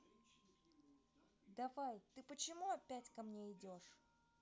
давай ты почему опять ко мне идешь